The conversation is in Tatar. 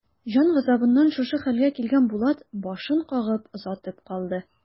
Җан газабыннан шушы хәлгә килгән Булат башын кагып озатып калды.